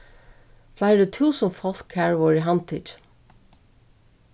fleiri túsund fólk har vórðu handtikin